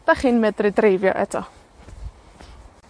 'dach chi'n medru dreifio eto.